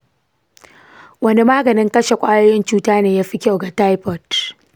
wani maganin kashe ƙwayoyin cuta ne ya fi kyau ga taifoid?